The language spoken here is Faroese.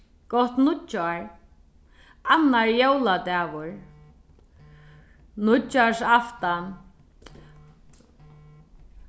gott nýggjár annar jóladagur nýggjársaftan